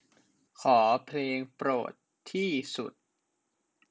ขอเพลงโปรดที่สุด